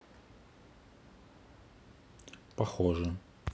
похоже